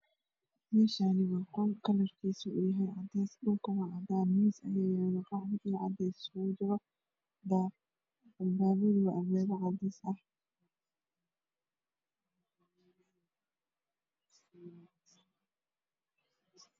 Me Shani wa qol kalar kisu cades dhul ka na cadan miis aya yalo qaxwi iyo cades iskujiro albabadu wa lababa cades ah